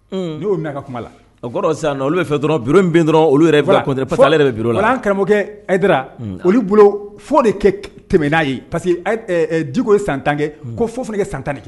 N' y'o minɛ ka kuma la o sisan olu bɛ fɛn dɔrɔn min bɛ dɔrɔn olu yɛrɛ pa ale yɛrɛ bɛ la n'an karamɔgɔkɛdra olu bolo fo de kɛ tɛmɛ n'a ye parce que duko ye san tankɛ ko fo fana kɛ san tanni